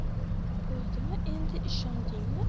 bo'ldimi endi ishondingizmi